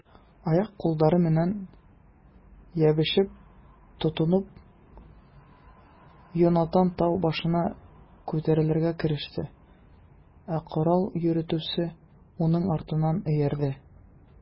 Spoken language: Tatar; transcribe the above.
Аяк-куллары белән ябышып-тотынып, Йонатан тау башына күтәрелергә кереште, ә корал йөртүчесе аның артыннан иярде.